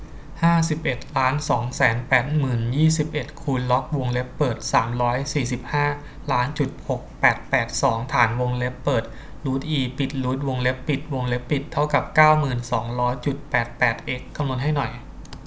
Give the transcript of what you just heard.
ห้าสิบเอ็ดล้านสองแสนแปดยี่สิบเอ็ดคูณล็อกวงเล็บเปิดสามร้อยสี่สิบห้าล้านจุดหกแปดแปดสองฐานวงเล็บเปิดรูทอีจบรูทวงเล็บปิดวงเล็บปิดเท่ากับเก้าหมื่นสองร้อยจุดแปดแปดเอ็กซ์คำนวณให้หน่อย